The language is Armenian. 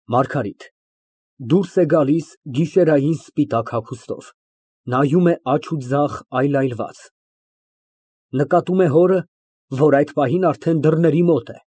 ՄԱՐԳԱՐԻՏ ֊ (Դուրս է գալիս գիշերային սպիտակ հագուստով, նայում է աջ ու ձախ այլայլված նկատում է հորը, որ այդ պահին արդեն դռների մոտ է։